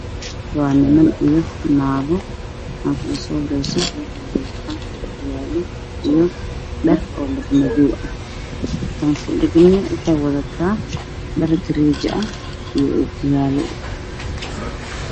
Waa niman ee naago naagta ugu soo horreysa waxay wadataa dhowkiyaalo iyo dhar madow